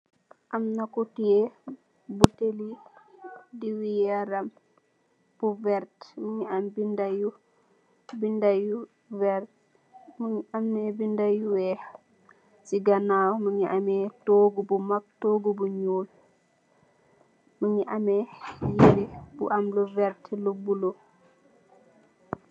Am na ku teyeh butèèlli diw yaram bu werta mugii am bindé yu wèèx ci ganaw mugii am tóógu bu mak tóógu bu ñuul, mugii ameh yirèh bu am lu werta lu bula.